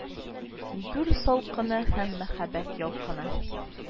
Гүр салкыны һәм мәхәббәт ялкыны